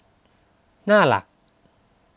หน้าหลัก